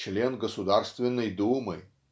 член Государственной Думы